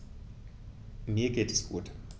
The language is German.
Mir geht es gut.